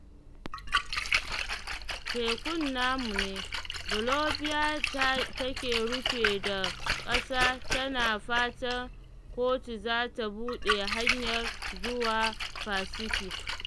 ‘Tekun namu ne’: Bolivia da ke rufe da ƙasa tana fatan kotu za ta buɗe hanyar zuwa Pacific